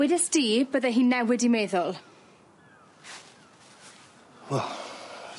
Wedest di, bydde hi'n newid i meddwl?